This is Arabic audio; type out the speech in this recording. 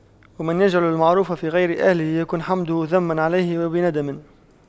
ومن يجعل المعروف في غير أهله يكن حمده ذما عليه ويندم